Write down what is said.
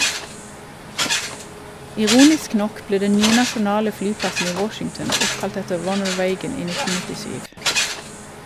Ironisk nok ble den nye nasjonale flyplassen i Washington oppkalt etter Ronald Reagan i 1997.